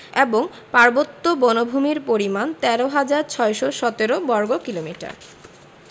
এবং পার্বত্য বনভূমির পরিমাণ ১৩হাজার ৬১৭ বর্গ কিলোমিটার